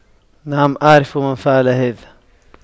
نعم اعرف من فعل هذا